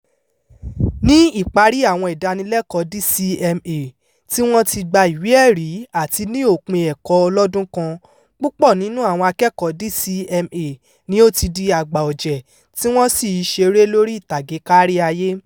Ní ìparí àwọn ìdánilẹ́kọ̀ọ́ọ DCMA, tí wọ́n ti gba ìwé ẹ̀rí àti ní òpin ẹ̀kọ́ ọlọ́dún kan, púpọ̀ nínú àwọn akẹ́kọ̀ọ́ọ DCMA ni ó ti di àgbà ọ̀jẹ́ tí wọ́n sì í ṣeré lórí ìtàgé kárí ayé.